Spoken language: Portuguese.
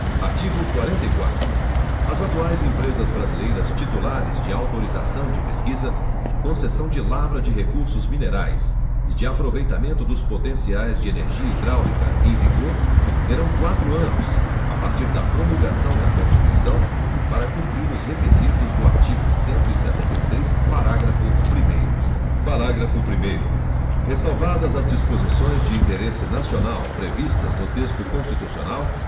artigo quarenta e quatro as atuais empresas brasileiras titulares de autorização de pesquisa concessão de lavra de recursos minerais e de aproveitamento dos potenciais de energia hidráulica em vigor terão quatro anos a partir da promulgação da constituição para cumprir os requisitos do artigo cento e setenta e seis parágrafo primeiro parágrafo primeiro ressalvadas as disposições de interesse nacional previstas no texto constitucional